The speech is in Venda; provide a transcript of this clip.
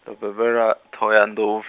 ndo bebelwa, Ṱhohoyanḓou.